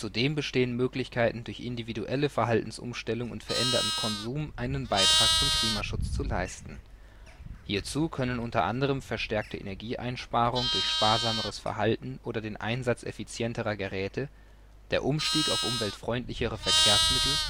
bestehen Möglichkeiten, durch individuelle Verhaltensumstellungen und veränderten Konsum, einen Beitrag zum Klimaschutz zu leisten. Hierzu können unter anderem verstärkte Energieeinsparung durch sparsameres Verhalten oder den Einsatz effizienterer Geräte, der Umstieg auf umweltfreundlichere Verkehrsmittel